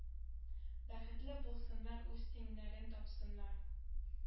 Бәхетле булсыннар үз тиңнәрен тапсыннар